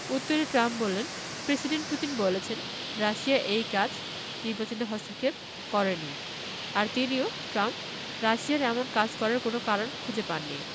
উত্তরে ট্রাম্প বললেন president Putin বলেছেন রাশিয়া এই কাজ নির্বাচনে হস্তক্ষেপ করেনি আর তিনিও ট্রাম্প রাশিয়ার এমন কাজ করার কোনো কারণ খুঁজে পান না